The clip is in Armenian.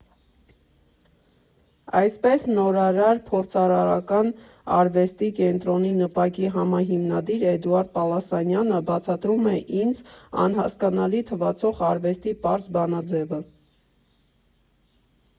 Այսպես Նորարար Փորձարարական Արվեստի Կենտրոնի՝ ՆՓԱԿ֊ի համահիմնադիր Էդուարդ Պալասանյանը բացատրում է ինձ անհասկանալի թվացող արվեստի պարզ բանաձևը։